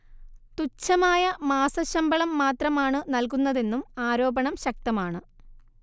തുച്ഛമായ മാസശമ്പളം മാത്രമാണ് നൽകുന്നതെന്നും ആരോപണം ശക്തമാണ്